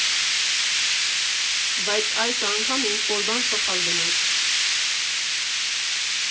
Բայց այս անգամ ինչ֊որ բան սխալ գնաց։